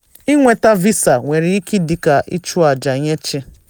ịnweta Visa nwere ike ịdị ka ichụ aja nye chi.